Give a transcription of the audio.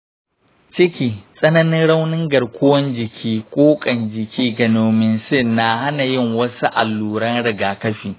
ciki, tsananin raunin garkuwar jiki, ko ƙan-jiki ga neomycin na hana yin wasu alluran rigakafi.